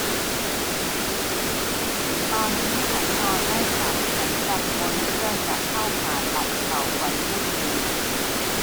ตอนนี้ฉันนอนไม่หลับฉันกังวลเรื่องจะเข้าผ่าตัดเข่าวันพรุ่งนี้